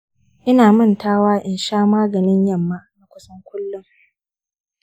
ina mantawa in sha maganin yamma na kusan kullun.